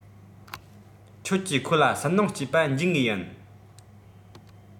ཁྱོད ཀྱིས ཁོ ལ སུན སྣང སྐྱེས པ འཇུག ངེས ཡིན